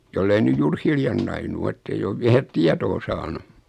jos ei nyt juuri hiljan nainut ole että ei ole vielä tietoa saanut